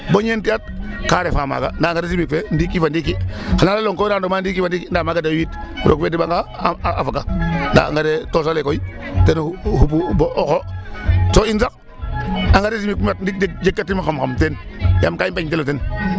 Ndaa engrais chimique fe ndiiki fo ndiiki xan a arong rendement ndiiki fo ndiiki ndaa maaga deyu yit roog fe deɓanga a faganda ande a tos ale koy ten xupu bo to in sax engrais chimique o mat jegkatiim xam xam ten yaam ga i mbañtel o ten.